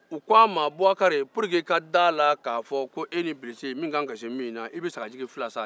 il lui ont dit bubakari pour que i ka da a la ka fɔ e ni bilisi min kan ka se min na i bɛ sagajigi fila san